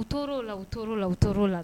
U tor'o la u tor'o la u tor'o la